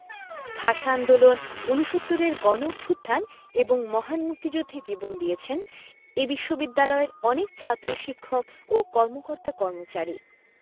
ভাষা আন্দোলন উনসত্তুরের গণঅভ্যুত্থান এবং মহান মুক্তিযুদ্ধে জীবন দিয়েছেন এ বিশ্ববিদ্যালয়ের অনেক ছাত্র শিক্ষক ও কর্মকর্তা কর্মচারী